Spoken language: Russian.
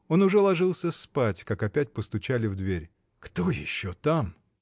Он уже ложился спать, как опять постучали в дверь. — Кто еще там?